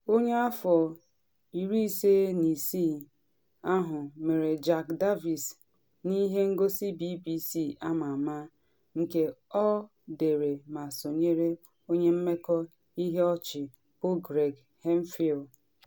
Onye afọ 56 ahụ mere Jack Darvis n’ihe ngosi BBC ama ama, nke ọ dere ma sonyere onye mmekọ ihe ọchị bụ Greg Hemphill.